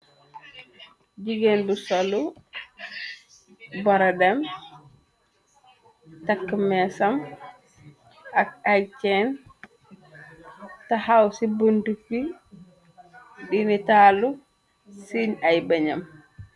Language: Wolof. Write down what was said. Jigéen bu solu boredem takk meesam ak ay cenn taxaw ci buntubi dini tallu cin ay boñyam.